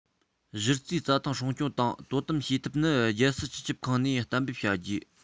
གཞི རྩའི རྩྭ ཐང སྲུང སྐྱོང དང དོ དམ བྱེད ཐབས ནི རྒྱལ སྲིད སྤྱི ཁྱབ ཁང ནས གཏན འབེབས བྱ རྒྱུ